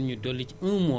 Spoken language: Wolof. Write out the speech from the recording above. bu defee trois mois